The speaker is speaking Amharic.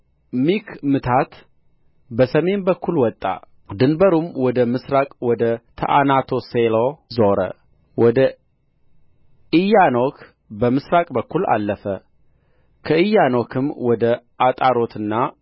ሚክምታት በሰሜን በኩል ወጣ ድንበሩም ወደ ምሥራቅ ወደ ተአናትሴሎ ዞረ ወደ ኢያኖክ በምሥራቅ በኩል አለፈ ከኢያኖክም ወደ አጣሮትና